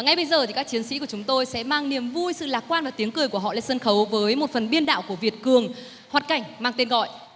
ngay bây giờ thì các chiến sĩ của chúng tôi sẽ mang niềm vui sự lạc quan và tiếng cười của họ lên sân khấu với một phần biên đạo của việt cường hoạt cảnh mang tên gọi